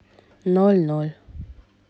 ноль ноль